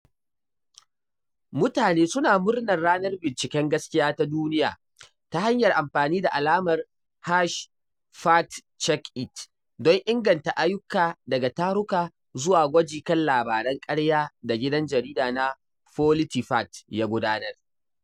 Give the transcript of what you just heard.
Mutane suna murnar Ranar Binciken Gaskiya ta Duniya ta hanyar amfani da alamar #FactCheckIt don inganta ayyuka daga tarurruka zuwa gwaji kan labaran ƙarya da gidan jarida na PolitiFact ya gudanar.